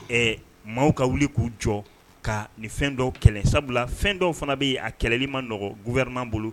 Ɛɛ maaw ka wuli k'u jɔ kaa nin fɛn dɔw kɛlɛ sabula fɛn dɔw fɛnɛ be ye a kɛlɛli ma nɔgɔn gouvernement bolo